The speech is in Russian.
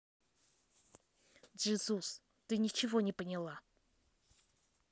джизус ты ничего не поняла